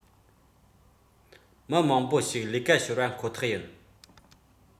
མི མང པོ ཞིག ལས ཀ ཤོར བ ཁོ ཐག ཡིན